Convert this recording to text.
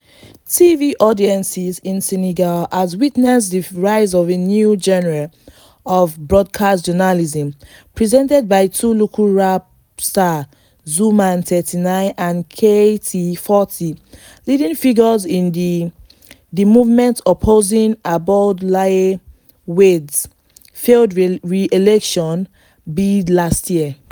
TV audiences in Senegal have witnessed the rise of a new genre of broadcast journalism, presented by two local rap stars Xuman (39) and Keyti (40), leading figures in the the movement opposing Abdoulaye Wade's failed re-election bid last year.